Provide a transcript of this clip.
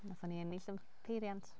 Wnaethon ni ennill y peiriant.